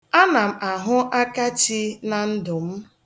Ana m ahụ akachi na ndụ m.